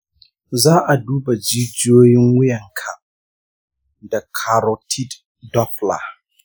za,a duba jijiyoyin wuyan ka da carotid doppler